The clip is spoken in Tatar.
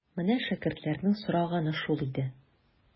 Менә шәкертләрнең сораганы шул иде.